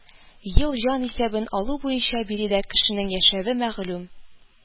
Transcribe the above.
Ел җанисәбен алу буенча биредә кешенең яшәве мәгълүм